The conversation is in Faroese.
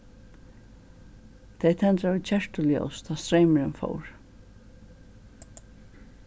tey tendraðu kertuljós tá streymurin fór